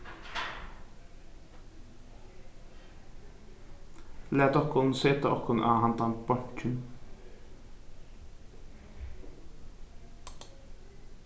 lat okkum seta okkum á handan bonkin